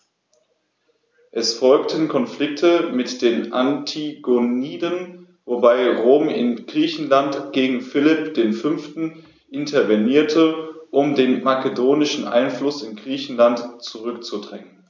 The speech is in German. Es folgten Konflikte mit den Antigoniden, wobei Rom in Griechenland gegen Philipp V. intervenierte, um den makedonischen Einfluss in Griechenland zurückzudrängen.